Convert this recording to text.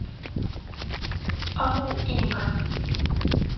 ау игры